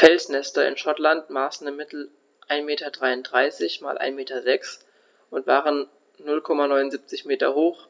Felsnester in Schottland maßen im Mittel 1,33 m x 1,06 m und waren 0,79 m hoch,